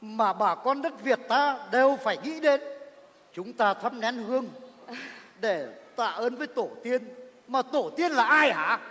mà bà con đất việt ta đều phải nghĩ đến chúng ta thắp nén hương để tạ ơn với tổ tiên mà tổ tiên là ai hả